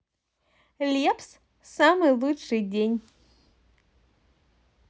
лепс самый лучший день